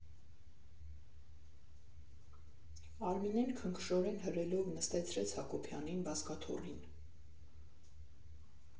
Արմինեն քնքշորեն հրելով նստեցրեց Հակոբյանին բազկաթոռին։